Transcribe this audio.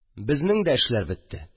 Безнең дә эшләр бетте